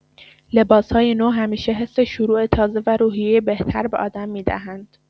لباس‌های نو همیشه حس شروع تازه و روحیه بهتر به آدم می‌دهند.